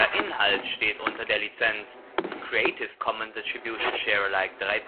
Inhalt steht unter der Lizenz Creative Commons Attribution Share Alike 3